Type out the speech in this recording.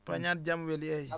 Pagnate Jamwelli